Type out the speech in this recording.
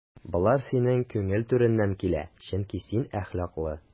Болар синең күңел түреннән килә, чөнки син әхлаклы.